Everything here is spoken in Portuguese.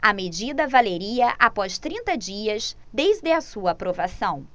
a medida valeria após trinta dias desde a sua aprovação